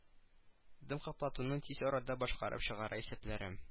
Дым каплатуны тиз арада башкарып чыгарга исәпләре